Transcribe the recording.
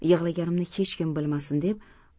yig'laganimni hech kim bilmasin